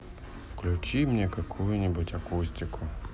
включи мне какую нибудь акустику